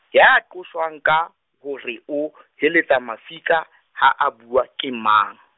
ya qoswang ka hore, o heletsa mafika ha a bua, ke mang?